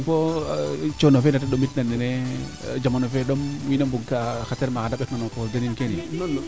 fo coono fe neete ɗomit na nene jamano fee ɗom wiin we mbug kaa xa terem axa de mbekna no poos deniin keene yiin